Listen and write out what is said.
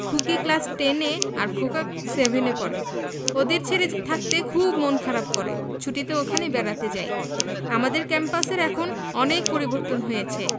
খুকি class ten এ আর খোকা সেভেন এ পড়ে ওদের ছেড়ে থাকতে খুব মন খারাপ করে ছুটিতে ওখানে বেড়াতে যাই আমাদের ক্যাম্পাসের এখন অনেক পরিবর্তন হয়েছে